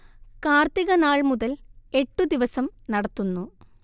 കാർത്തിക നാൾ മുതൽ എട്ടു ദിവസം നടത്തുന്നു